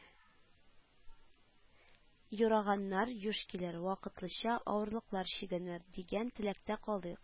Юраганнар юш килер, вакытлыча авырлыклар чигенер, дигән теләктә калыйк